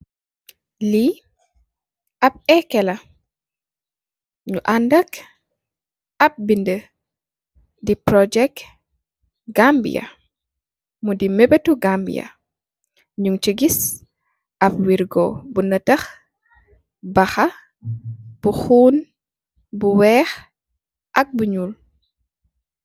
Li ap ekeh la nyu andax ap benda di project Gambia mudi mbebet ti Gambian nyung si giss am wergo bu neteh baha bu xoon bu weex ak bu nuul.